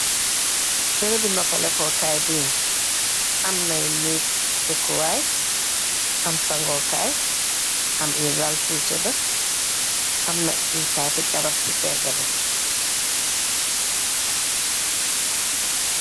Berebu nopaleku kaye bee amnaye neek dekuye am sagukaye ame eyee lal purr tedah amna eyee tate garab se pegabe.